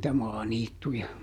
niitä maaniittyjä